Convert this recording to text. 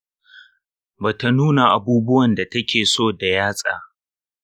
ba ta nuna abubuwan da take so da yatsa.